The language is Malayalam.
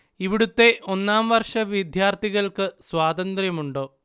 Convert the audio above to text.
ഇവിടുത്തെ ഒന്നാം വർഷ വിദ്യാർത്ഥികൾക്ക് സ്വാതന്ത്ര്യമുണ്ടോ